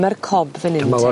Ma'r Cob fynny ynte ie?